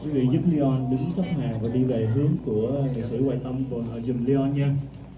quý vị giúp ly on đứng xếp hàng và đi về hướng của a nghệ sĩ hoài phong giùm ly on nha